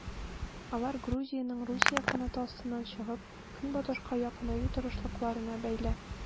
Алар Грузиянең Русия канаты астыннан чыгып, Көнбатышка якынаю тырышлыкларына бәйле.